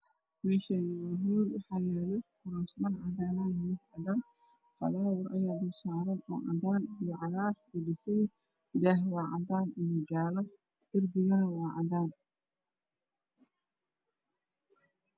Meeshaani waa hool waxaa yaalo kuraasman cadaan falawer ayaa dul saaran oo cadaan iyo cagaar basali daaha waa jaale iyo cadaan darbigana waa cadaan